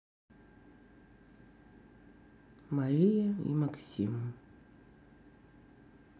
мария и максим